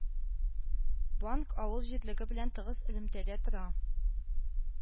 Банк авыл җирлеге белән тыгыз элемтәдә тора